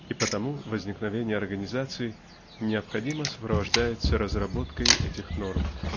и потому возникновение организаций необходимо сопровождается разработкой этих норм.